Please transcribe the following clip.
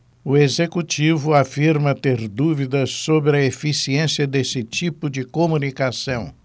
o executivo afirma ter dúvidas sobre a eficiência desse tipo de comunicação